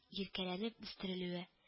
“иркәләнеп” үстерелүе